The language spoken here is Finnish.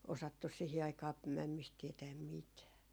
osattu siihen aikaan mämmistä tietää mitään